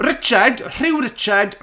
Richard? Rhyw Richard